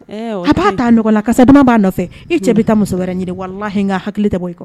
A'a ta la karisasa b'a nɔfɛ i cɛ bɛ ka muso wɛrɛ ɲini hakili tɛ bɔ